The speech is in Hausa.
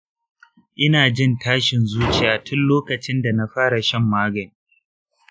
ina jin tashin zuciya tun lokacin da na fara shan magani.